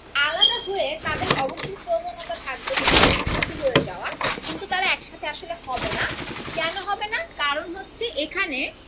আলাদা হয়ে তাদের অবশ্যই প্রবণতা থাকবে দুটো একসাথে হয়ে যাওয়ার কিন্তু তারা একসাথে আসলে হবে না কেন হবে না কারণ হচ্ছে এখানে